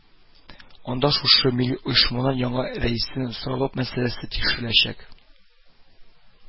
Анда шушы милли оешманың яңа рәисен сайлау мәсьәләсе тикшереләчәк